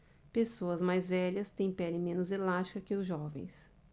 pessoas mais velhas têm pele menos elástica que os jovens